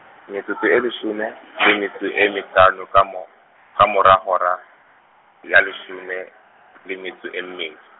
metsotso e leshome, le metso e mehlano ka mo-, ka mora hora, ya leshome , le metso e mmedi.